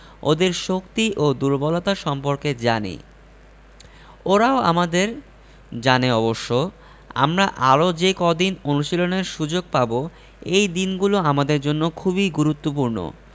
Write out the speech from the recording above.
ওদের শক্তি ও দুর্বলতা সম্পর্কে জানি ওরাও আমাদের জানে অবশ্য আমরা আরও যে কদিন অনুশীলনের সুযোগ পাব এই দিনগুলো আমাদের জন্য খুবই গুরুত্বপূর্ণ